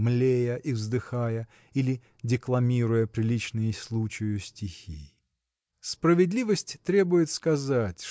млея и вздыхая или декламируя приличные случаю стихи. Справедливость требует сказать